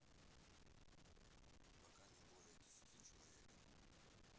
пока не более десяти человек